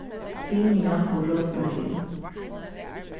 timian og rosmarin